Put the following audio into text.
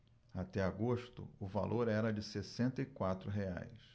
até agosto o valor era de sessenta e quatro reais